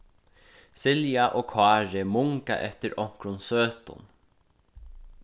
silja og kári munga eftir onkrum søtum